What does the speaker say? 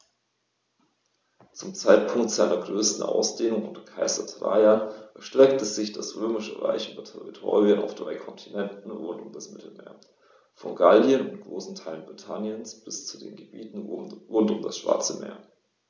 Zum Zeitpunkt seiner größten Ausdehnung unter Kaiser Trajan erstreckte sich das Römische Reich über Territorien auf drei Kontinenten rund um das Mittelmeer: Von Gallien und großen Teilen Britanniens bis zu den Gebieten rund um das Schwarze Meer.